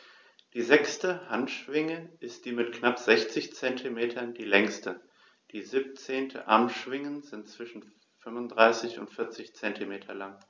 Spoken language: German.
Die sechste Handschwinge ist mit knapp 60 cm die längste. Die 17 Armschwingen sind zwischen 35 und 40 cm lang.